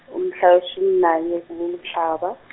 mhla weshumi nanye, kuNhlaba.